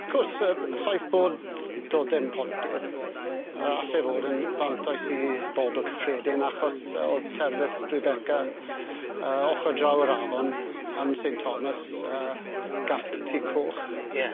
W'th gwrs y b- y ffaith bod t- do'dd dim pontydd yy alle fod yn fantais i bobl cyffredin achos yy o'dd terfysg Rebeca yy ochr draw yr afon yn Saint homas yy gat ŷ Coch. Ie.